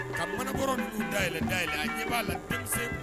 Ka mkɔrɔ ninnu daɛlɛn day yɛlɛ a ɲɛ b'a la fɛn